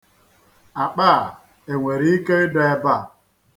Akpa a enwere ike ịdọ ebe a?